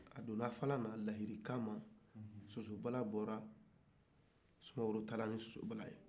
a donna tun kɔnɔ lahidu kan kɔfɛ soso bala bɔra soumaworo taara ni soso bala ye